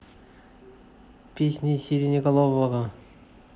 песни сиреноголового